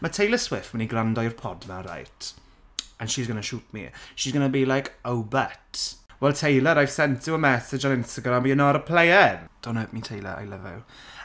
Ma' Taylor Swift yn mynd i gwrando i'r pod 'ma reit and she's going to shoot me, she's going to be like oh butt, well Taylor, I've sent you a message on Instagram you're not replyin'. Don't hate me, Taylor, I love you.